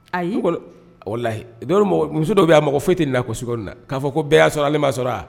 A y'u o la dɔw muso dɔ bɛ' mɔgɔ fi tɛ na s na k'a fɔ ko bɛɛ y'a sɔrɔ ne ma sɔrɔ wa